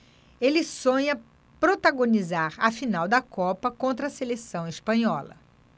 ele sonha protagonizar a final da copa contra a seleção espanhola